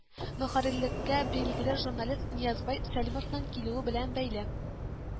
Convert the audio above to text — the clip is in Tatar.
Мөхәррирлеккә билгеле журналист ниязбай сәлимовның килүе белән бәйли